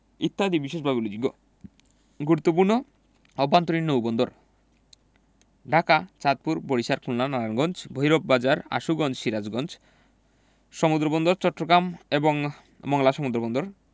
ইত্যাদি বিশেষভাবে উল্লেখযোগ্য গুরুত্বপূর্ণ অভ্যন্তরীণ নৌবন্দরঃ ঢাকা চাঁদপুর বরিশাল খুলনা নারায়ণগঞ্জ ভৈরব বাজার আশুগঞ্জ সিরাজগঞ্জ সমুদ্রবন্দরঃ চট্টগ্রাম এবং মংলা সমুদ্রবন্দর